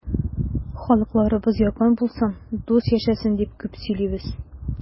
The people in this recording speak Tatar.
Халыкларыбыз якын булсын, дус яшәсен дип күп сөйлибез.